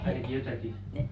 ainakin jotakin